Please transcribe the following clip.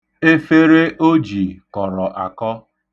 Efere o ji kọrọ akọ.